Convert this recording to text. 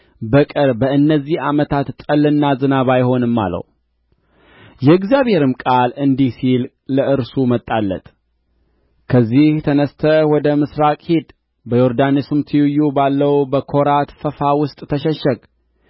በቀር በእነዚህ ዓመታት ጠልና ዝናብ አይሆንም አለው የእግዚአብሔርም ቃል እንዲህ ሲል ለእርሱ መጣለት ከዚህ ተነሥተህ ወደ ምሥራቅ ሂድ በዮርዳኖስም ትይዩ ባለው በኮራት ፈፋ ውስጥ ተሸሸግ